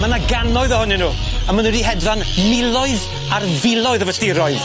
Ma' 'na gannoedd ohonyn n'w a ma' n'w 'di hedfan miloedd ar filoedd o fylldiroedd.